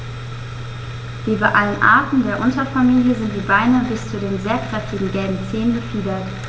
Wie bei allen Arten der Unterfamilie sind die Beine bis zu den sehr kräftigen gelben Zehen befiedert.